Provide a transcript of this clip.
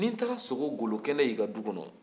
ni n taara sogo golo kɛnɛ y'i ka du kɔnɔ